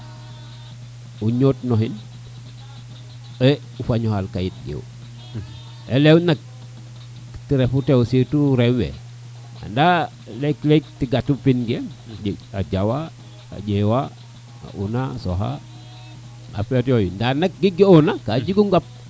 o ñotno xin e o waña xaƴ kayit ke wo elew nak te refu surtout rewe anda leeg leeg tiga gatu pin ke a jawa a ƴewa a una a soxa affaire yoyu nda ku ga ona ka jego ngap